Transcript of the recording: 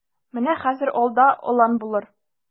Менә хәзер алда алан булыр.